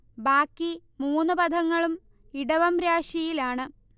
ബാക്കി മൂന്നു പഥങ്ങളും ഇടവം രാശിയിൽ ആണ്